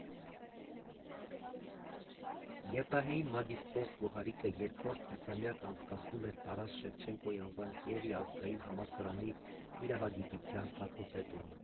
ԵՊՀ֊ի մագսիստրոս Գոհարիկը երկրորդ կիսամյակը անցկացնում էր Տարաս Շևեչենկոյի անվան Կիևի ազգային համալսարանի իրավագիտության ֆակուլտետում։